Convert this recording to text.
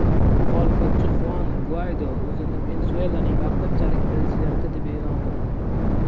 muxolifatchi xuan guaydo o'zini venesuelaning vaqtinchalik prezidenti deb e'lon qildi